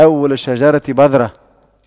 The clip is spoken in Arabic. أول الشجرة بذرة